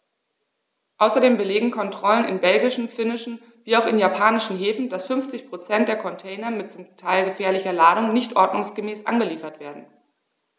Außerdem belegen Kontrollen in belgischen, finnischen wie auch in japanischen Häfen, dass 50 % der Container mit zum Teil gefährlicher Ladung nicht ordnungsgemäß angeliefert werden.